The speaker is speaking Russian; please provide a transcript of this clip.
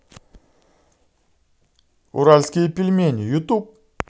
уральские пельмени ютуб